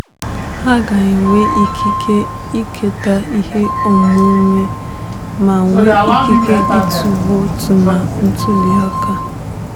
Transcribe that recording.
Ha ga-enwe ikike iketa ihe onwunwe ma nwee ikike ịtụ vootu na ntụliaka.